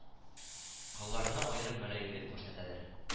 Колларына аерым мөлаемлек күрсәтәдер